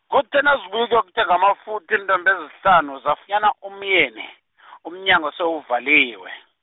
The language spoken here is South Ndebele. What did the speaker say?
kuthe nazibuya ukuyokuthenga amafutha iintombi ezihlanu, zafunyana umyeni , umnyango sele uvaliwe.